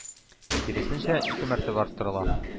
Киресенчә, ике мәртәбә арттырыла.